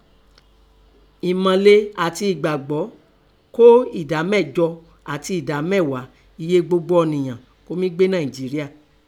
Ẹ̀mọ̀le àti ẹ̀gbàgbọ́ kó ẹ̀dá mẹ́jọ àti ẹ̀dá mẹ́ghàá iye gbogbo ọ̀nìyàn kọ́ mí gbé Nàìnjeríà.